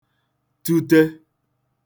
tute